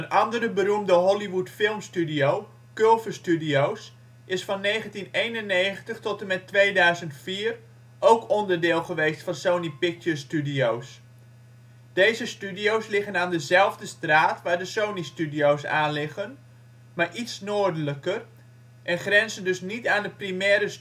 andere beroemde Hollywood-filmstudio, Culver Studios, is van 1991 tot en met 2004 ook onderdeel geweest van Sony Pictures Studios. Deze studio 's liggen aan dezelfde straat waar de Sony Studios aanliggen, maar iets noordelijker en grenzen dus niet aan de